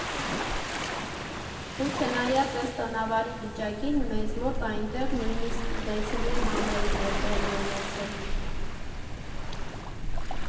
Ու չնայած էս տնավարի վիճակին, մեզ մոտ այնտեղ նույնիսկ Դեցլի համերգն էր տեղի ունեցել։